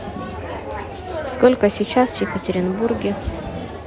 сколько сейчас в екатеринбурге